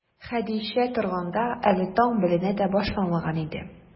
Хәдичә торганда, әле таң беленә дә башламаган иде.